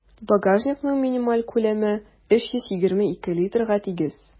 Багажникның минималь күләме 322 литрга тигез.